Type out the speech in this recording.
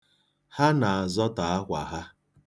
Ha na-azọtọ akwa ha.